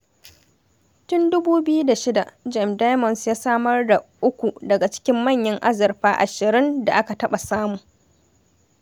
Tun 2006, Gem Diamonds ya samar da uku daga cikin manyan azurfa 20 da aka taɓa samu.